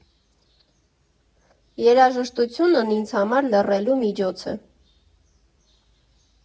Երաժշտությունն ինձ համար լռելու միջոց է։